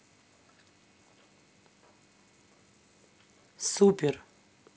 super